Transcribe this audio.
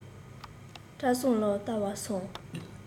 བཀྲ བཟང ལ བལྟ བར སོང